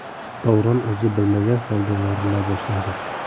davron o'zi bilmagan holda yorila boshladi